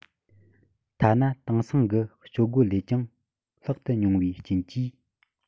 ཐ ན དེང སང གི སྤྱོད སྒོ ལས ཀྱང ལྷག ཏུ ཉུང བའི རྐྱེན གྱིས